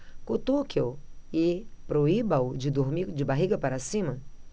cutuque-o e proíba-o de dormir de barriga para cima